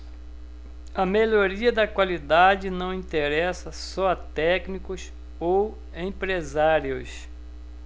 a melhoria da qualidade não interessa só a técnicos ou empresários